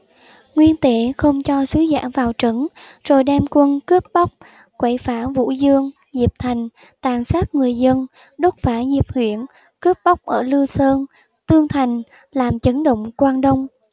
nguyên tế không cho sứ giả vào trấn rồi đem quân cướp bóc quấy phá vũ dương diệp thành tàn sát người dân đốt phá diệp huyện cướp bóc ở lư sơn tương thành làm chấn động quan đông